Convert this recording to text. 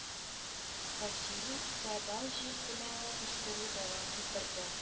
Василий феодал җир беләү устеру дәвам иттердә